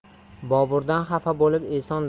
boburdan xafa bo'lib eson